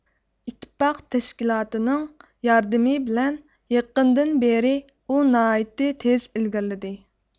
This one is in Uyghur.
ئىتتىپاق تەشكىلاتىنىڭ ياردىمى بىلەن يېقىندىن بېرى ئۇ ناھايىتى تېز ئىلگىرىلدى